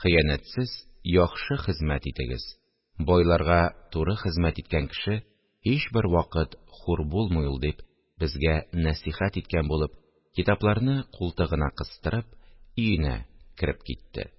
Хыянәтсез, яхшы хезмәт итегез, байларга туры хезмәт иткән кеше һичбер вакыт хур булмый ул, – дип, безгә нәсыйхәт иткән булып, китапларны култыгына кыстырып, өенә кереп китте